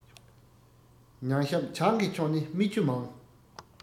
ཉང ཤབ བྱང གི ཕྱོགས ནི སྨྲེ མཆུ མང